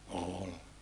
oli